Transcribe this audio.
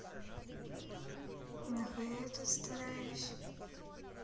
нахуя я тут стараюсь